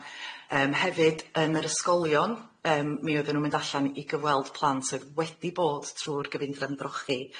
Yym hefyd yn yr ysgolion, yym mi oedden nw'n mynd allan i gyfweld plant oedd wedi bod trw'r gyfundrafn drochi